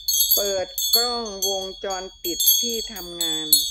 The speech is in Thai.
เปิดกล้องวงจรปิดที่ทำงาน